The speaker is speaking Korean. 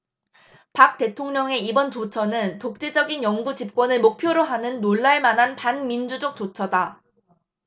박 대통령의 이번 조처는 독재적인 영구집권을 목표로 하는 놀랄 만한 반민주적 조처다